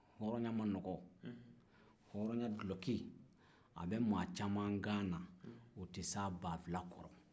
hɔrɔnya man nɔgɔ hɔrɔnya duloki a bɛ maa caman kan na o tɛ s'a banfula kɔrɔ